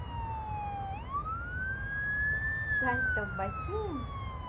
сальто в бассейн